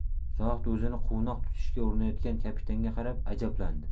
zohid o'zini quvnoq tutishga urinayotgan kapitanga qarab ajablandi